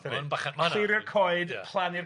Yndi? Ma'n bach yn... Ma' 'na... Clirio'r coed plannu'r